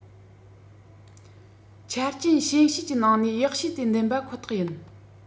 ཆ རྐྱེན ཞན ཤོས ཀྱི ནང ནས ཡག ཤོས དེ འདེམས པ ཁོ ཐག ཡིན